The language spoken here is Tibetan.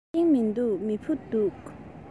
མེ ཤིང མི འདུག མེ ཕུ འདུག